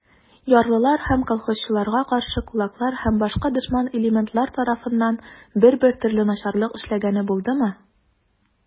Ярлылар һәм колхозчыларга каршы кулаклар һәм башка дошман элементлар тарафыннан бер-бер төрле начарлык эшләнгәне булдымы?